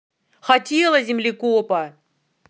хотела землекопа